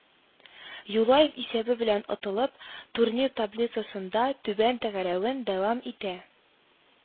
Юлаев исәбе белән отылып, турнир таблицасында түбән тәгәрәвен дәвам итә